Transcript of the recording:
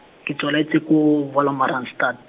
ke tswaletse ko Wolmaranstad.